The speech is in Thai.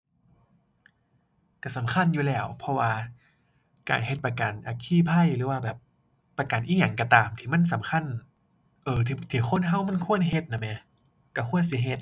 ก็สำคัญอยู่แล้ว เพราะว่าก็เฮ็ดประกันอัคคีภัย หรือว่าแบบประกันอิหยังก็ตามที่มันสำคัญ เอ้อ ที่ ที่คนก็มันควรเฮ็ดน่ะแหม ก็ควรสิเฮ็ด